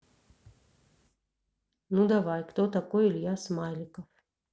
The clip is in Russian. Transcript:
ну давай кто такой илья смайликов